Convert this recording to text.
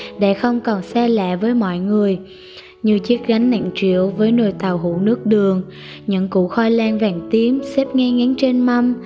đã không còn xa lạ với mọi người những chiếc gánh nặng trĩu với nồi tàu hủ nước đường những củ khoai lang vàng tím xếp ngay ngắn trên mâm